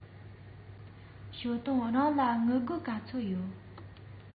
ཞའོ ཏིང རང ལ དངུལ སྒོར ག ཚོད ཡོད